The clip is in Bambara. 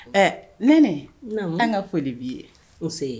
Ɛ nɛnɛ an ka foli b'i ye